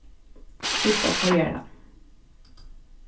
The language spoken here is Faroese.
trýst á teigaran